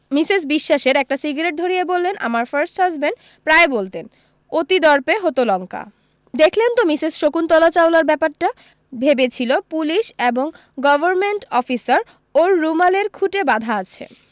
Mrs বিশ্বাসের একটা cigarette ধরিয়ে বললেন আমার ফার্স্ট হাজবেণ্ড প্রায় বলতেন অতি দর্পে হত লঙ্কা দেখলেন তো মিসেস শকুন্তলা চাওলার ব্যাপারটা ভেবেছিল পুলিশ এবং গভর্নমেন্ট অফিসার ওর রুমালের খুঁটে বাঁধা আছে